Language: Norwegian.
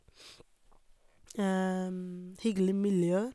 Hyggelig miljø.